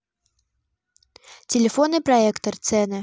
телефонный проектор цены